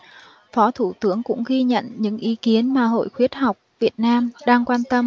phó thủ tướng cũng ghi nhận những ý kiến mà hội khuyến học việt nam đang quan tâm